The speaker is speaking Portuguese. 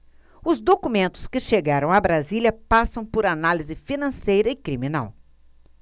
os documentos que chegaram a brasília passam por análise financeira e criminal